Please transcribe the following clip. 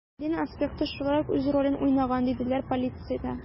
Дин аспекты шулай ук үз ролен уйнаган, диделәр полициядә.